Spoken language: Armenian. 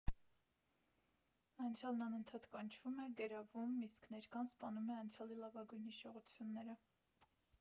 Անցյալն անընդհատ կանչում է, գրավում, իսկ ներկան սպանում է անցյալի լավագույն հիշողությունները։